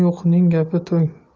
yo'qning gapi to'ng